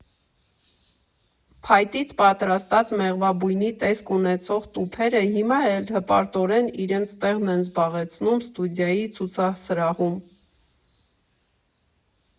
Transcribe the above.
Փայտից պատրաստած՝ մեղվաբույնի տեսք ունեցող տուփերը հիմա էլ հպարտորեն իրենց տեղն են զբաղեցնում ստուդիայի ցուցասրահում։